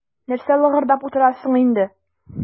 Нәрсә лыгырдап утырасың инде.